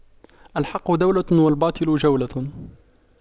الحق دولة والباطل جولة